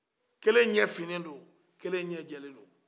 kelen ɲɛfinnen don kelen ɲɛdiyɛlen don